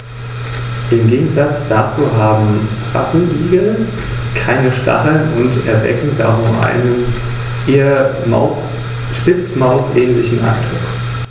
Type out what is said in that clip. Nach mehreren Rückschlägen und wechselhaftem Kriegsglück gelang es Rom schließlich, besonders auf Sizilien Fuß zu fassen und die karthagische Flotte mehrmals zu schlagen.